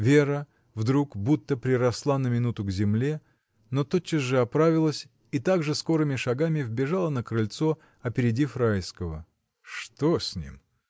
Вера вдруг будто приросла на минуту к земле, но тотчас же оправилась и также скорыми шагами взбежала на крыльцо, опередив Райского. — Что с ним?